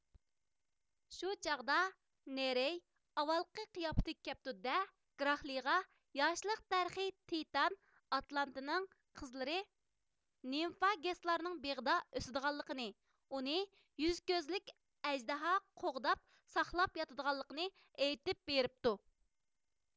شۇ چاغدا نېرېي ئاۋۋالقى قىياپىتىگە كەپتۇ دە گېراكلىغا ياشلىق دەرىخى تىتان ئاتلانتنىڭ قىزلىرى نىمفا گېسلارنىڭ بېغىدا ئۆسىدىغانلىقىنى ئۇنى يۈز كۆزلۈك ئەجدىھا قوغداپ ساقلاپ ياتىدىغانلىقىنى ئېيتىپ بېرىپتۇ